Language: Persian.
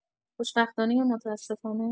خوشبختانه یا متاسفانه؟